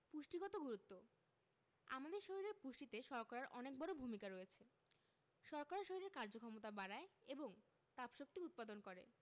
পুষ্টিগত গুরুত্ব আমাদের শরীরের পুষ্টিতে শর্করার অনেক বড় ভূমিকা রয়েছে শর্করা শরীরের কর্মক্ষমতা বাড়ায় এবং তাপশক্তি উৎপাদন করে